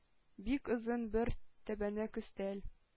Бик озын бер тәбәнәк өстәл.